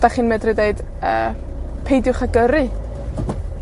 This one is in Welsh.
'Dach chi'n medru deud, yy, peidiwch â gyrru.